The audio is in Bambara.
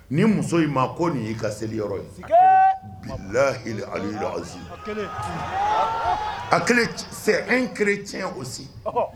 Ni muso in ma ko nin y'i ka seli yɔrɔ ye, sikeyi, bilahil aliyuli azimu, a kelen, A kelen, C'est un chrétien aussi .